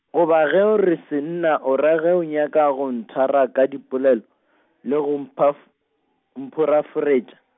goba ge o re senna o ra ge o nyaka go nthera ka dipolelo, le go mphaf-, mphoraforetša.